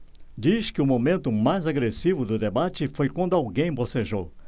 diz que o momento mais agressivo do debate foi quando alguém bocejou